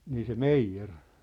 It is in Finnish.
niin se meijeri